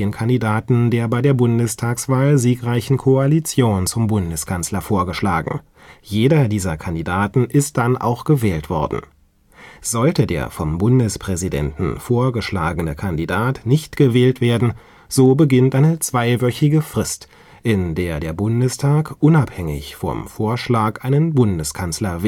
Kandidaten der bei der Bundestagswahl siegreichen Koalition zum Bundeskanzler vorgeschlagen; jeder dieser Kandidaten ist dann auch gewählt worden. Sollte der vom Bundespräsidenten vorgeschlagene Kandidat nicht gewählt werden, so beginnt eine zweiwöchige Frist, in der der Bundestag unabhängig vom Vorschlag einen Bundeskanzler